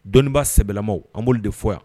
Dɔnnibaa sɛbɛnlamaw an b'olu de fɔ yan